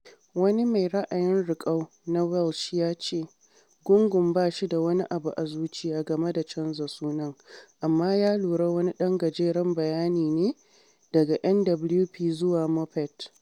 Wani mai ra’ayin riƙau na Welsh ya ce gungun “ba shi da wani abu a zuciya” game da canza sunan, amma ya lura wani ɗan gajeren bayani ne daga MWP zuwa Muppet.